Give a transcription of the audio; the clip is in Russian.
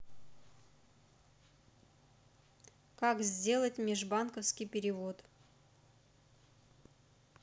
как сделать межбанковский перевод